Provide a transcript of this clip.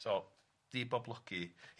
So diboblogi Iwerddon.